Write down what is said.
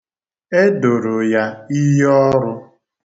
E doro ya iyi ọrụ.